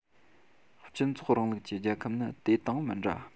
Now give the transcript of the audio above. སྤྱི ཚོགས རིང ལུགས ཀྱི རྒྱལ ཁབ ནི དེ དང མི འདྲ